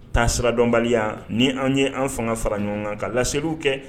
Taa siradɔnbaliya ni an ye an fanga fara ɲɔgɔn kan ka laseliw kɛ